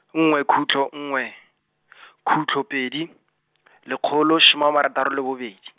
nngwe khutlo nngwe , khutlo pedi , lekgolo soma a marataro le bobedi.